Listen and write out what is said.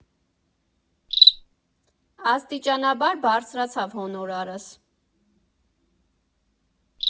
Աստիճանաբար բարձրացավ հոնորարս։